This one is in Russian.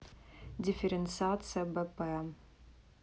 дифференциация б п